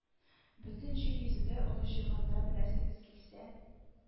Бөтен җир йөзендә олы җиһанда беләсегез килсә